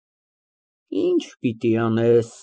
Լռություն)։ ԲԱԳՐԱՏ ֊ (Շփոթված, չգիտե ինչ անե)։